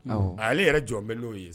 Ɔ ale yɛrɛ jɔ n bɛ n'o ye